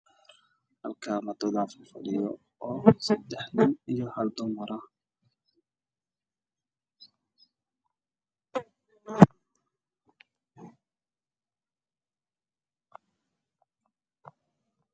Halkan dad ayaa fadhiyo saddex rag ah iyo haldumar ah